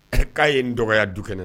K'a ye n dɔgɔya du kɛnɛ